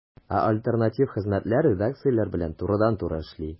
Ә альтернатив хезмәтләр редакцияләр белән турыдан-туры эшли.